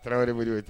Tarawele